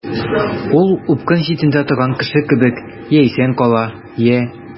Ул упкын читендә торган кеше кебек— я исән кала, я...